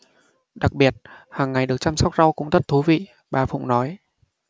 đặc biệt hàng ngày được chăm sóc rau cũng rất thú vị bà phụng nói